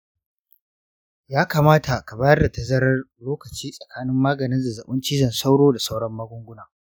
ya kamata ka bayar da tazarar lokaci tsakanin maganin zazzabin cizon sauro da sauran magunguna.